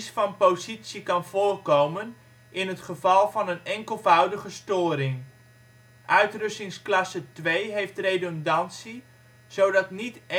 van positie kan voorkomen in het geval van een enkelvoudige storing. Uittrustingsklasse 2 heeft redundantie zodat niet